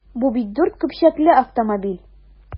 Бу бит дүрт көпчәкле автомобиль!